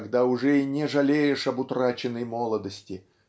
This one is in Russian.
когда уже и не жалеешь об утраченной молодости